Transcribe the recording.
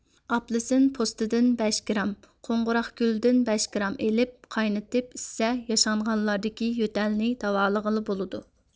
ئاپېلسىن پوستىدىن بەش گرام قوڭغۇراقگۈلدىن بەش گرام ئېلىپ قاينىتىپ ئىچسە ياشانغانلاردىكى يۆتەلنى داۋالىغىلى بولىدۇ